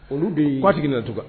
Olu de ye kuwa sigi nɛntu ka